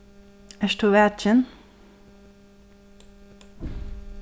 ert tú vakin s